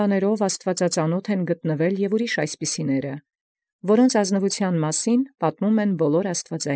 Բարեացն ժառանգեալ։ Բազմաւք ե՛ւ այլ նոյնպիսիք աստուածածանաւթ գտեալք, որոց ազնուականութիւնքն յամենայն աստուածածանաւթ գրոց պատմի։